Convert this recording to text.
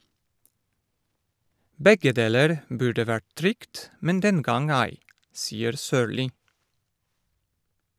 Begge deler burde vært trygt , men den gang ei, sier Sørli.